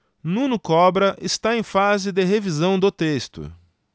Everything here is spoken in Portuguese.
nuno cobra está em fase de revisão do texto